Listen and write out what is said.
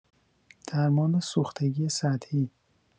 درمان سوختگی سطحی!